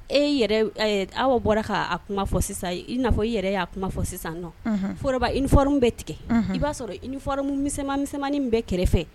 E aw bɔra k'a kuma fɔ i'a i yɛrɛ y'a kuma fɔ sisan nɔ foba ifarin bɛ tigɛ i b'a sɔrɔ imaniin bɛ kɛrɛfɛ